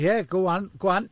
Ie, go on, go on.